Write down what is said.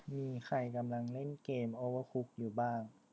มีใครกำลังเล่นเกมโอเวอร์คุกอยู่บ้าง